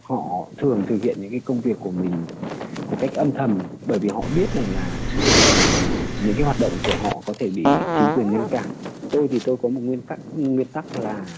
họ thường thực hiện những cái công việc của mình một cách âm thầm bởi vì họ biết rằng là à những cái hoạt động của họ có thể bị chính quyền ngăn cản tôi thì tôi có một nguyên tắc nguyên tắc là